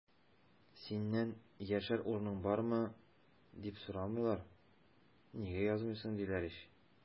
Синнән яшәр урының бармы, дип сорамыйлар, нигә язмыйсың, диләр ич!